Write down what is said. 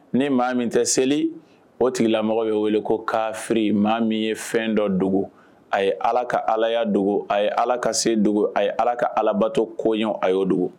Ni maa min tɛ seli o tigilamɔgɔ bɛ wele ko kafiri maa min ye fɛn dɔ dogo a ye ala ka alaya dogo a ye ala ka se dogo a ye ala ka alabato koɲɔgɔn a'o dogo